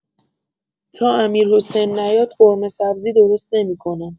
تا امیرحسین نیاد قورمه‌سبزی درست نمی‌کنم!